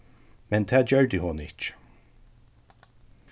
men tað gjørdi hon ikki